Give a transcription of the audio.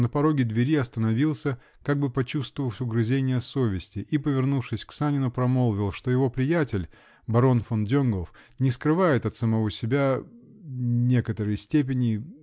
но на пороге двери остановился, как бы почувствовав угрызение совести, -- и, повернувшись к Санину, промолвил, что его приятель, барон фон Донгоф, не скрывает от самого себя. некоторой степени.